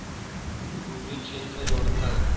kulgi chehra yoritar